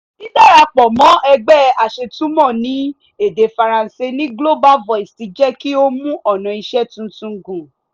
Dīdarapọ̀ mọ́ ẹgbẹ́ aṣètumọ̀ ní èdè Faransé ní Global Voices ti jẹ́ kí ó mú ọ̀nà ìṣe tuntun gùn.